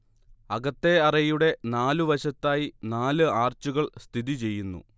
അകത്തേ അറയുടെ നാലു വശത്തായി നാലു ആർച്ചുകൾ സ്ഥിതി ചെയ്യുന്നു